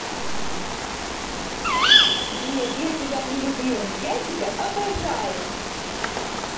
нет я тебя не люблю я тебя обожаю